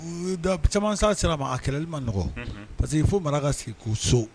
Caman sira ma a kɛlɛdi ma n nɔgɔ parce que fo mara ka sigi k' so